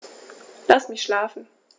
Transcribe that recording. Lass mich schlafen